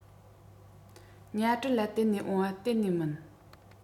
ཉ གྲུ ལ གཏད ནས འོང བ གཏན ནས མིན